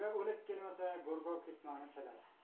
go'rkov ketmonni chalar